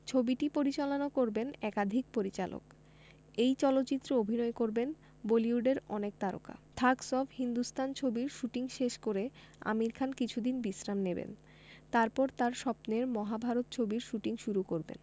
ছবিটি পরিচালনা করবেন একাধিক পরিচালক এই চলচ্চিত্রে অভিনয় করবেন বলিউডের অনেক তারকা থাগস অব হিন্দুস্তান ছবির শুটিং শেষ করে আমির খান কিছুদিন বিশ্রাম নেবেন তারপর তাঁর স্বপ্নের মহাভারত ছবির শুটিং শুরু করবেন